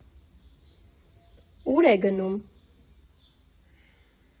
Ու՞ր է գնում։